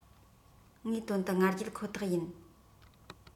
ངའི དོན དུ ང རྒྱལ ཁོ ཐག ཡིན